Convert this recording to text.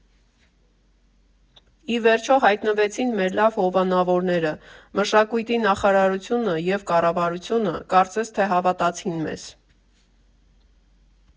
Ի վերջո հայտնվեցին մեր լավ հովանավորները, Մշակույթի նախարարությունը և կառավարությունը կարծես թե հավատացին մեզ։